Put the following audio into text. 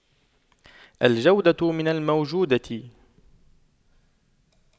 الجودة من الموجودة